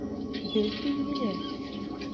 Без, билгеле!